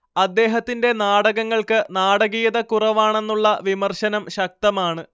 അദ്ദേഹത്തിന്റെ നാടകങ്ങൾക്ക് നാടകീയത കുറവാണെന്നുള്ള വിമർശനം ശക്തമാണ്